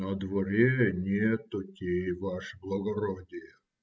- На дворе нетути, ваше благородие.